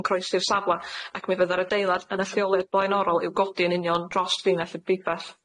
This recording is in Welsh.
yn croesi'r safla ac mi fyddai'r adeilad yn y lleoliad blaenorol i'w godi yn union dros finnell y biball.